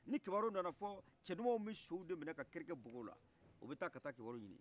ni kibaru nanafɔ cɛ dumanw bi sow de minai ka kɛrɛ bɔkɔwla ubi ta kata kibaru ɲini